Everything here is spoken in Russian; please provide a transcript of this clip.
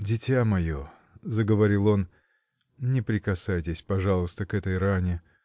-- Дитя мое, -- заговорил он, -- не прикасайтесь, пожалуйста, к этой ране